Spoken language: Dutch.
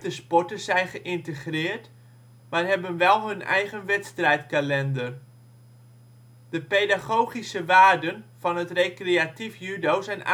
sporters zijn geïntegreerd, maar hebben wel hun eigen wedstrijdkalender. De pedagogische waarden van het recreatief judo zijn